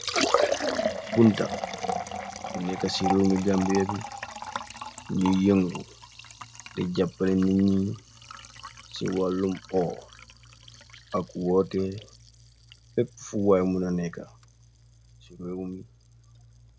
Bunta bu nekka ci réew mi Gambi, bi ñuy yëngu di jàppale nit ñi, ci wàllum õ ak woote, fepp fuwaay muna nekka ci réew mi.